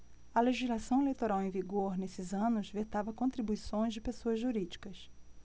a legislação eleitoral em vigor nesses anos vetava contribuições de pessoas jurídicas